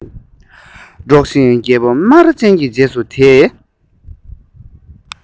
སྒྲོག བཞིན རྒད པོ སྨ ར ཅན གྱི རྗེས སུ དེད